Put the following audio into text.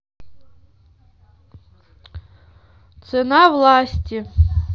цена власти